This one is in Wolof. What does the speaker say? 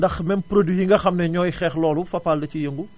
ndax même produit yi nga xam ne ñooy xeex loolu Fapal da ciy yëngu